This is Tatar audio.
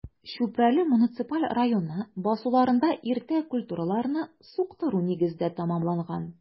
Чүпрәле муниципаль районы басуларында иртә культураларны суктыру нигездә тәмамланган.